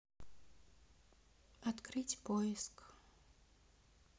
открыть поиск